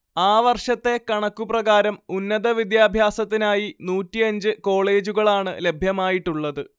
ആ വർഷത്തെ കണക്കു പ്രകാരം ഉന്നതവിദ്യാഭ്യാസത്തിനായി നൂറ്റിയഞ്ച് കോളേജുകളാണ് ലഭ്യമായിട്ടുള്ളത്